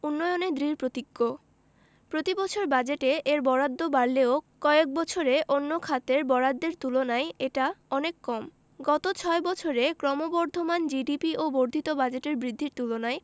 উন্নয়নে দৃঢ়প্রতিজ্ঞ প্রতিবছর বাজেটে এর বরাদ্দ বাড়লেও কয়েক বছরে অন্য খাতের বরাদ্দের তুলনায় এটা অনেক কম গত ছয় বছরে ক্রমবর্ধমান জিডিপি ও বর্ধিত বাজেটের বৃদ্ধির তুলনায়